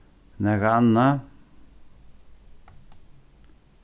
nakað annað